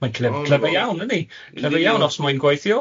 Mae'n clef- clefar iawn, yndi, clefar iawn os mae'n gweithio.